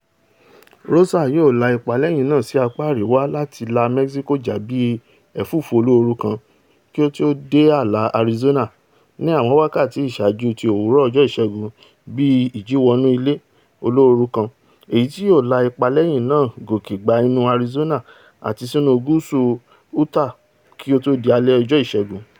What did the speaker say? Rosa yóò la ipa lẹ́yìn náà sí apá àríwá láti la Mẹ́síkò já bíi ẹ̀fùúfú olóoru kan kí ó tó dé ààlà Arizona ní àwọn wákàtí ìsáájú ti òwúrọ̀ ọjọ́ Ìṣẹ́gun bíi ìjìnwọnú-ilẹ̀ olóoru kan, èyití yóò la ipa lẹ́yìn náà gòkè gba inú Arizona àti sínú gúúsù Utah kí ó tó di alẹ́ ọjọ Ìṣẹ́gun.